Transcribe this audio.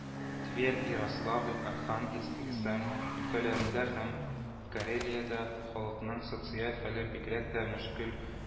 Тверь, Ярославль, Архангельск, Рязань өлкәләрендә һәм Карелиядә халыкның социаль хәле бигрәк тә мөшкел